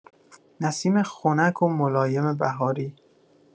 نسیم خنک و ملایم بهاری